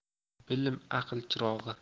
bilim aql chirog'i